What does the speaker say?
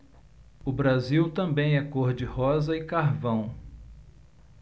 o brasil também é cor de rosa e carvão